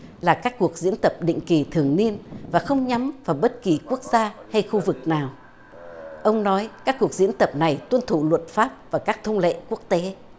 là các cuộc diễn tập định kỳ thường niên và không nhắm vào bất kỳ quốc gia hay khu vực nào ông nói các cuộc diễn tập này tuân thủ luật pháp và các thông lệ quốc tế